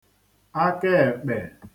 akaèkpè